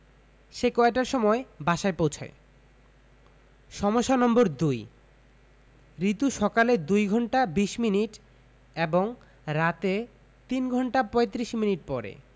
সে কয়টার সময় বাসায় পৌছায় সমস্যা নম্বর ২ রিতু সকালে ২ ঘন্টা ২০ মিনিট এবং রাতে ৩ ঘণ্টা ৩৫ মিনিট পড়ে